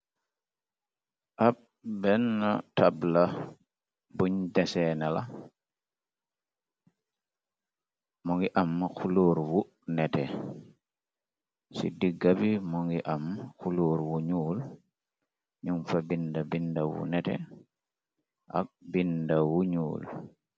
Ab benn tabla buñ deseena la mongi am kuluur bu nete ci diggabi mongi am xuluur bu ñuul ñum fa binda binda bu nete ak binda bu ñuul.